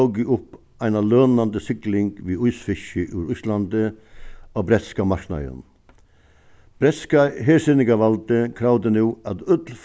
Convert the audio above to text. tóku upp eina lønandi sigling við ísfiski úr íslandi á bretska marknaðin bretska hersetingarvaldið kravdi nú at øll